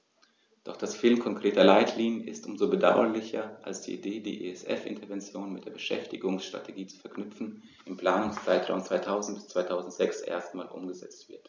Doch das Fehlen konkreter Leitlinien ist um so bedauerlicher, als die Idee, die ESF-Interventionen mit der Beschäftigungsstrategie zu verknüpfen, im Planungszeitraum 2000-2006 erstmals umgesetzt wird.